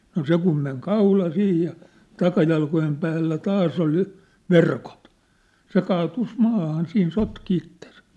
no se kun meni kaula siihen ja takajalkojen päällä taas oli jo verkot se kaatui maahan siinä sotki itsensä